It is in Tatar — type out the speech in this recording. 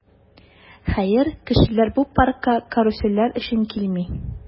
Хәер, кешеләр бу паркка карусельләр өчен килми.